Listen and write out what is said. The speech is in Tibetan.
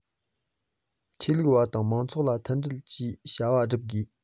ཆོས ལུགས པ དང མང ཚོགས ལ མཐུན སྒྲིལ གྱིས བྱ བ བསྒྲུབ དགོས